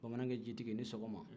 bamanankɛ jitigi i ni sɔgɔma